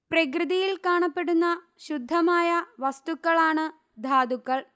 പ്രകൃതിയിൽ കാണപ്പെടുന്ന ശുദ്ധമായ വസ്തുക്കളാണ് ധാതുക്കൾ